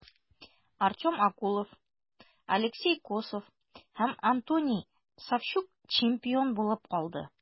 Артем Окулов, Алексей Косов һәм Антоний Савчук чемпион булып калды.